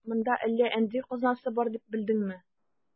Монда әллә әндри казнасы бар дип белдеңме?